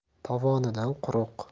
tovonidan quruq